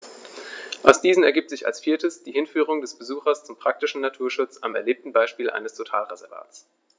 Aus diesen ergibt sich als viertes die Hinführung des Besuchers zum praktischen Naturschutz am erlebten Beispiel eines Totalreservats.